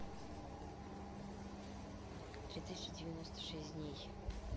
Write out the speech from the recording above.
три тысячи девяносто шесть дней